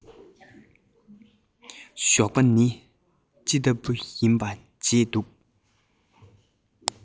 ཞོགས པ ནི ཅི ལྟ བུར ཡིན པ བརྗེད འདུག